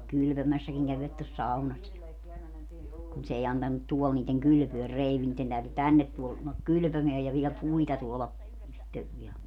kylpemässäkin kävivät tuossa saunassa ja kun se ei antanut tuolla niiden kylpeä kreivi niiden täytyi tänne tulla kylpemään ja vielä puita tuoda itse vielä